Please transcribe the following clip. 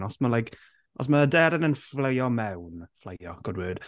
Os mae like... os mae aderyn yn ffleio mewn- ffleio good word...